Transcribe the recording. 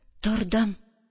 Тордым.